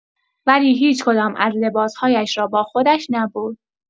ولی هیچ‌کدام از لباس‌هایش را با خودش نبرد.